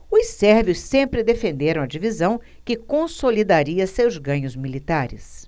os sérvios sempre defenderam a divisão que consolidaria seus ganhos militares